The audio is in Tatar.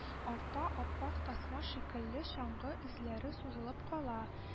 Артта, ап-ак тасма шикелле, чаңгы эзләре сузылып кала